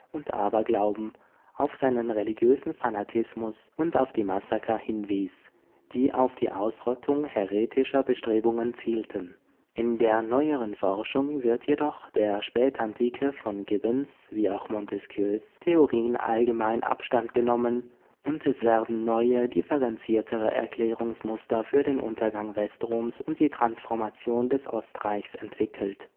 und Aberglauben, auf seinen religiösen Fanatismus und auf die Massaker hinwies, die auf die Ausrottung häretischer Bestrebungen zielten. In der neueren Forschung wird jedoch bezüglich der Spätantike von Gibbons (wie auch Montesquieus) Theorien allgemein Abstand genommen und es werden neue, differenziertere Erklärungsmuster für den Untergang Westroms und die Transformation des Ostreichs entwickelt